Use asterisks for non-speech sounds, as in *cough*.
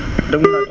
déglu naa *noise*